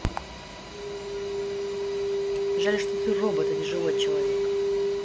жаль что ты робот а не живой человек